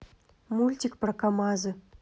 мультик про камазы